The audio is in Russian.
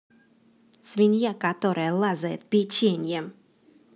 свинья которая лазает печеньем